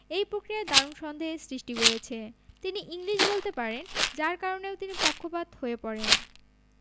এই প্রক্রিয়ায় দারুণ সন্দেহের সৃষ্টি করেছে তিনি ইংলিশ বলতে পারেন যার কারণেও তিনি পক্ষপাত হয়ে পড়েন